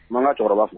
U'an ka cɛkɔrɔba fo